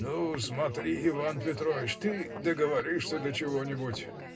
— Ну, смотри, Иван Петрович, ты договоришься до чего-нибудь.